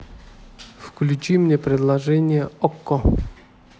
включи мне приложение окко